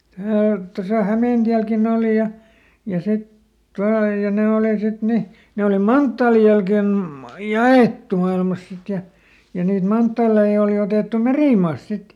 - tuossa Hämeentielläkin oli ja ja sitten tuolla ja ne oli sitten niin ne oli manttaalin jälkeen jaettu maailmassa sitten ja ja niitä manttaaleita oli otettu merimaasta sitten